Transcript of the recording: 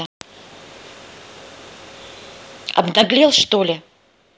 обнаглел что ли